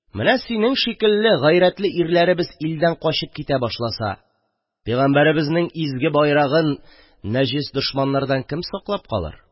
Менә синең шикелле гайрәтле ирләребез илдән качып китә башласа, пәйгамбәребезнең изге байрагын нәҗес дошманнардан кем саклап калыр?